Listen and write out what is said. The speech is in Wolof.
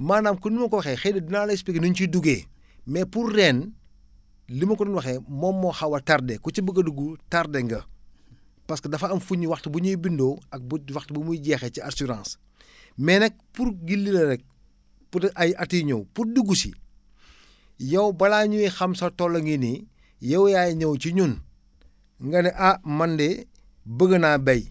maanaam comme ni ma ko waxee xëy na dinaa la expliquer ni ñu ciy duggee mais pour ren li ma ko doon waxee moom moo xaw a tardé ku ci bugg a dugg tardé nga parce que dafa am fu ñu waxtu bu ñuy bindoo ak bu waxtu bu muy jeexee ci assurance mais nag pour gindi la rek peut être ay at yiy ñëw pour dugg si yow balaa ñuy xam sa tool a ngi nii yow yaay ñëw ci ñun nga ne ah man de bëgg naa béy